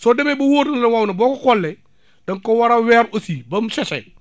soo demee ba u wóor ne la wow na boo ko xollee da nga ko war a weer aussi ba mu séché